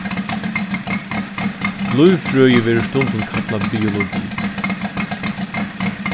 lívfrøði verður stundum kallað biologi